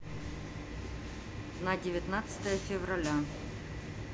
на девятнадцатое февраля